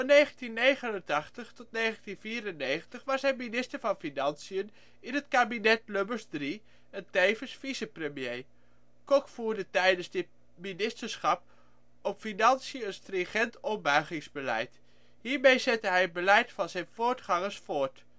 1989 tot 1994 was hij minister van Financiën in het kabinet-Lubbers III en tevens vice-premier. Kok voerde tijdens dit ministerschap op financiën een stringent ombuigingsbeleid. Hiermee zette hij het beleid van zijn voorgangers voort